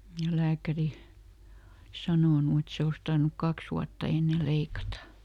ja lääkäri oli sanonut että se olisi tarvinnut kaksi vuotta ennen leikata